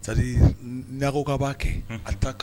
Sa ɲagago ka b'a kɛ a ta